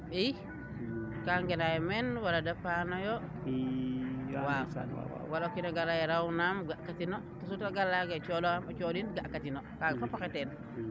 i kaa ngenayo meen wala de paanoyo waaw wala o kiina gar a leya raw nam ga kino toujours te gara leya ye coɗiɗ ga ka tino kaaga fop oxey teen